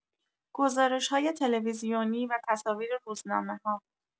گزارش‌های تلویزیونی و تصاویر روزنامه‌ها